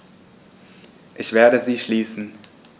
Ich werde sie schließen.